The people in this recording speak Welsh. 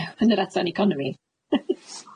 Ie yn yr adran economi.